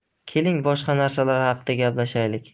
keling boshqa narsalar haqida gaplashaylik